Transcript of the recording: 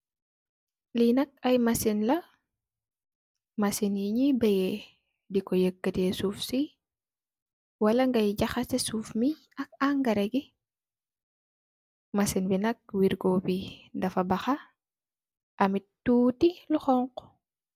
Li nak ay masin la, masin yi ñi bayeh diko yakatee suuf ci, wala ngai jakaseh suuf ci ak angareh.